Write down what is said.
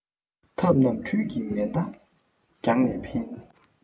ཐབས རྣམས འཕྲུལ གྱི མེ མདའ རྒྱང ནས འཕེན